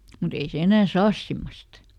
mutta ei se enää saa semmoista